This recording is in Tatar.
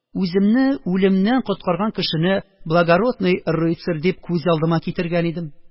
Үземне үлемнән коткарган кешене благородный рыцарь итеп күз алдыма китергән идем